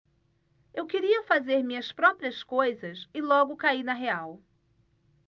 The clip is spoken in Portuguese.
eu queria fazer minhas próprias coisas e logo caí na real